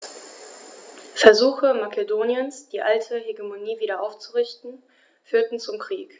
Versuche Makedoniens, die alte Hegemonie wieder aufzurichten, führten zum Krieg.